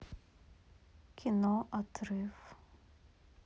кино отрыв